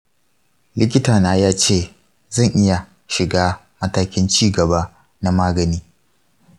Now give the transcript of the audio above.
likitana ya ce zan iya shiga matakin ci gaba na magani .